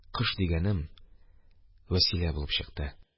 Кош дигәнем вәсилә булып чыкты.